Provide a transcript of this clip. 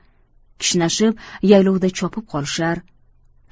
kishnashib yaylovda chopib qolishar